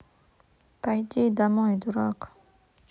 пойди домой дурак